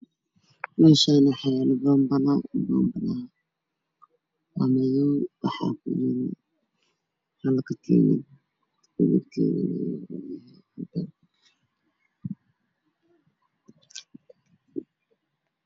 Meshan waxa yalo bobilo waa madow waxa kujiro katiin midabkedu oow yahay cadan